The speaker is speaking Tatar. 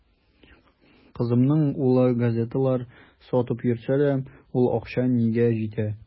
Кызымның улы газеталар сатып йөрсә дә, ул акча нигә җитә.